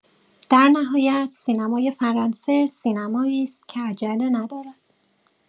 در نهایت، سینمای فرانسه سینمایی است که عجله ندارد.